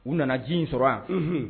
U nana ji in sɔrɔ yan